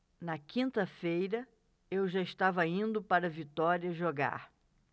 na quinta-feira eu já estava indo para vitória jogar